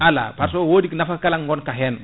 ala par ce o wodi nafa kala gonka hen